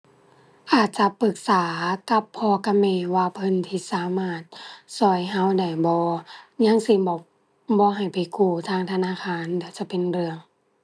อาจจะปรึกษากับพ่อกับแม่ว่าเพิ่นที่สามารถช่วยช่วยได้บ่ ยังสิบ่ บ่ให้ไปกู้ทางธนาคาร เดี๋ยวจะเป็นเรื่อง